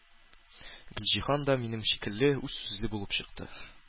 Гөлҗиһан да минем шикелле үзсүзле булып чыкты.